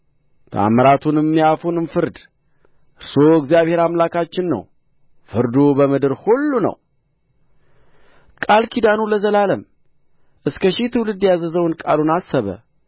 ተአምራቱንም የአፉንም ፍርድ እርሱ እግዚአብሔር አምላካችን ነው ፍርዱ በምድር ሁሉ ነው ቃል ኪዳኑን ለዘላለም እስከ ሺህ ትውልድ ያዘዘውን ቃሉን አሰበ